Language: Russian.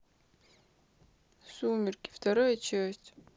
сумерки вторая часть